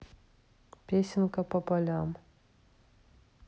песенка по полям